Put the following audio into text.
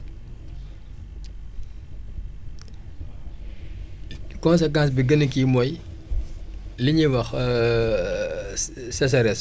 conséquence bi gën a kii mooy li ñuy wax sécheresse